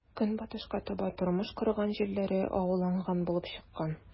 Көнбатышка таба тормыш корган җирләре агуланган булып чыккан.